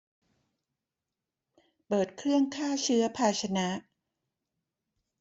เปิดเครื่องฆ่าเชื้อภาชนะ